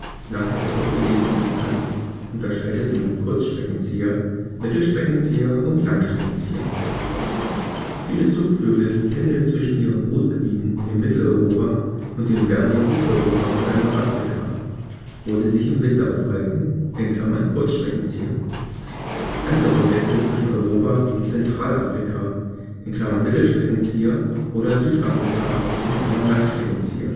Nach der zurückgelegten Distanz unterscheidet man Kurzstreckenzieher, Mittelstreckenzieher und Langstreckenzieher. Viele Zugvögel pendeln zwischen ihren Brutgebieten in Mitteleuropa und dem wärmeren Südeuropa oder Nordafrika, wo sie sich im Winter aufhalten (Kurzstreckenzieher). Andere wechseln zwischen Europa und Zentralafrika (Mittelstreckenzieher) oder Südafrika (Langstreckenzieher